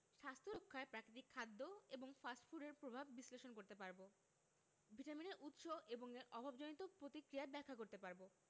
স্বাস্থ্য রক্ষায় প্রাকৃতিক খাদ্য এবং ফাস্ট ফুডের প্রভাব বিশ্লেষণ করতে পারব ভিটামিনের উৎস এবং এর অভাবজনিত প্রতিক্রিয়া ব্যাখ্যা করতে পারব